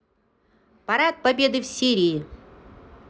парад победы в сирии